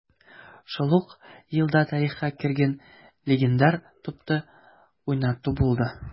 Шул ук елда тарихка кергән легендар тупны уйнату булды: